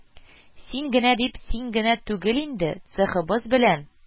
Син генә дип, син генә түгел инде: цехыбыз белән